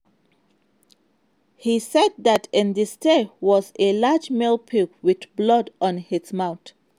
He said that in the sty was a large male pig with blood on its mouth.